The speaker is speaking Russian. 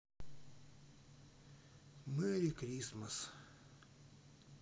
мэри кристмас